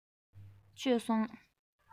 མཆོད སོང